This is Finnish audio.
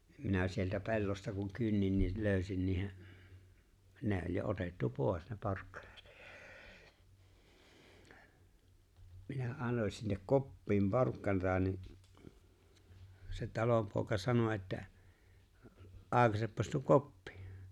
niin minä sieltä pellosta kun kynnin niin löysin niiden ne oli jo otettu pois ne porkkanat minä annoin sinne koppiin porkkanaa niin se talonpoika sanoi että aukaisepas tuo koppi